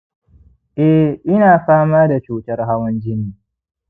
ya kamata ku halarci shirin ziyartar asibiti lokacin ciki bayan kowaɗanne makonnin biyu daga yanzu